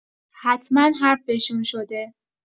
حتما حرفشون شده.